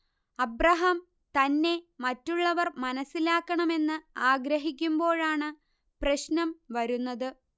Abraham തന്നെ മറ്റുള്ളവർ മനസ്സിലാക്കണമെന്ന് ആഗ്രഹിക്കുമ്പോഴാണ് പ്രശ്നം വരുന്നത്